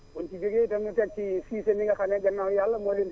bu ñu si jógee dem seeti Cissé mi nga xamante ne gannaaw yàlla moo leen